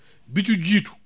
bi ci jiitu